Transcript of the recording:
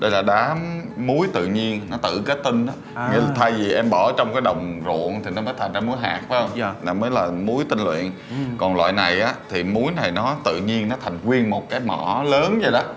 đây là đá muối tự nhiên nó tự kết tinh á nếu thay vì em bỏ trong cái đồng ruộng thì nó kết thành ra muối hạt phải không là mới là muối tinh luyện còn loại này á thì muối này nó tự nhiên nó thành nguyên một cái mỏ lớn vậy đó